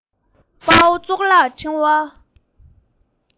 དཔའ བོ གཙུག ལག ཕྲེང བ